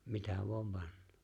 mitä vain panee